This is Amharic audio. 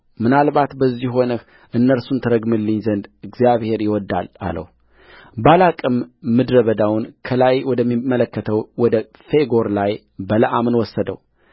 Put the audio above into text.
ምናልባት በዚህ ሆነህ እነርሱን ትረግምልኝ ዘንድ እግዚአብሔር ይወድዳል አለውባላቅም ምድረ በዳውን ከላይ ወደሚመለከተው ወደ ፌጎር ላይ በለዓምን ወሰደው